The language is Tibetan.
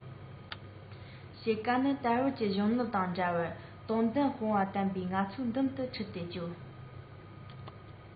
དཔྱིད ཀ ནི དར བབས ཀྱི གཞོན ནུ དང འདྲ བར སྟོབས ལྡན དཔུང པ བརྟན པོས ང ཚོ མདུན དུ ཁྲིད དེ སྐྱོད